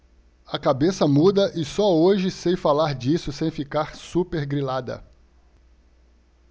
a cabeça muda e só hoje sei falar disso sem ficar supergrilada